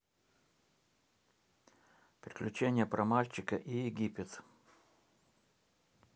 приключения про мальчика и египет